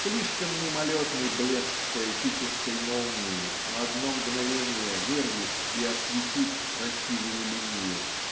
Слишком мимолетный блеск поэтической молнии на одно мгновение вырвет и осветит красивую линию